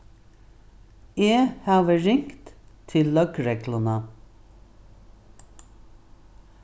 eg havi ringt til løgregluna